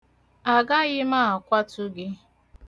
Agaghị akwatu gị.